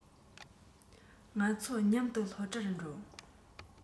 ང ཚོ མཉམ དུ སློབ གྲྭར འགྲོ